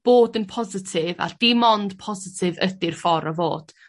bod yn positif a dim ond positif ydi'r ffor o fod.